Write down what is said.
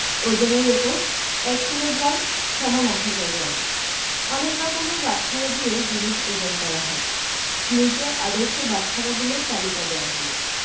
ওজনের একক ১ kilogram = ১০০০ gram অনেক রকমের বাটখারা দিয়ে জিনিস ওজন করা হয় নিচে আদর্শ বাটখারাগুলোর তালিকা দেয়া হল